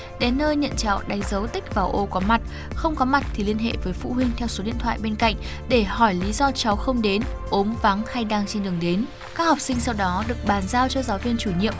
đến nơi nhận chậu đánh dấu tích vào ô có mặt không có mặt thì liên hệ với phụ huynh theo số điện thoại bên cạnh để hỏi lý do cháu không đến ốm vắng hay đang trên đường đến các học sinh sau đó được bàn giao cho giáo viên chủ nhiệm